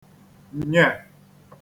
nye